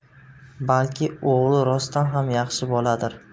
balki o'g'li rostdan ham yaxshi boladir